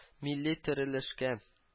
Милли терелешкә